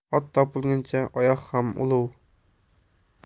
ot topilguncha oyoq ham ulov